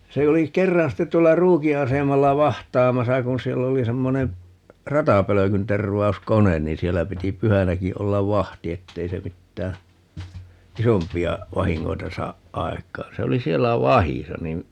se oli kerran sitten tuolla Ruukin asemalla vahtaamassa kun siellä oli semmoinen ratapölkyntervauskone niin siellä piti pyhänäkin olla vahti että ei se mitään isompia vahinkoja saa aikaan se oli siellä vahdissa niin